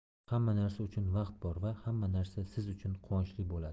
hamma narsa uchun vaqt bor va hamma narsa siz uchun quvonchli bo'ladi